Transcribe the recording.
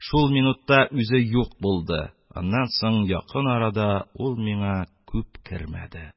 Шул минутта үзе юк булды, аннан соң якын арада ул миңа күп кермәде.